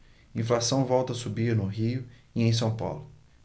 inflação volta a subir no rio e em são paulo